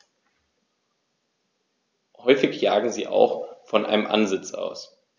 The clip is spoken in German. Häufig jagen sie auch von einem Ansitz aus.